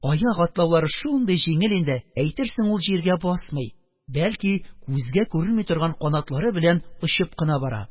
Аяк атлаулары шундый җиңел инде, әйтерсең ул җиргә басмый, бәлки, күзгә күренми торган канатлары белән очып кына бара.